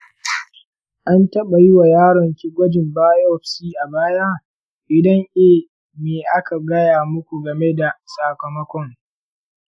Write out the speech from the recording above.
an taɓa yi wa yaron ki gwajin biopsy a baya? idan eh, me aka gaya muku game da sakamakon?